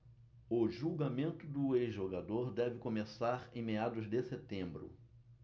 o julgamento do ex-jogador deve começar em meados de setembro